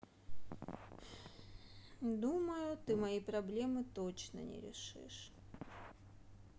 думаю ты мои проблемы точно не решишь